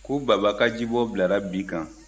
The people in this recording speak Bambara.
ko baba ka jibɔn bilara bi kan